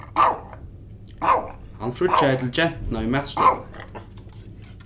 hann fríggjaði til gentuna í matstovuni